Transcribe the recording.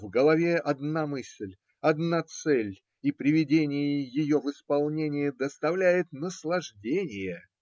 в голове одна мысль, одна цель, и приведение ее в исполнение доставляет наслаждение.